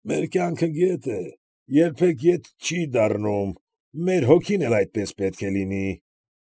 Մեր կյանքը գետ է, երբեք ետ չի դառնում, մեր հոգին էլ այսպես պետք է լինի։